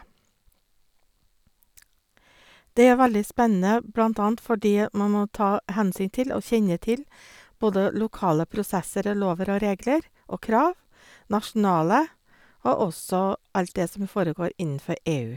Det er veldig spennende, blant annet fordi at man må ta hensyn til og kjenne til både lokale prosesser og lover og regler og krav, nasjonale, og også alt det som foregår innenfor EU.